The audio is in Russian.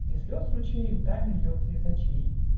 " И слез ручей У Тани льется из очей.